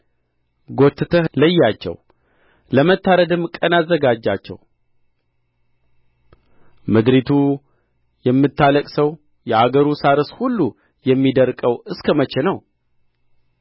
ጐትተህ ለያቸው ለመታረድም ቀን አዘጋጃቸው ምድሪቱ የምታለቅሰው የአገሩ ሣርስ ሁሉ የሚደርቀው እስከ መቸ ነው